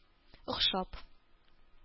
Охшап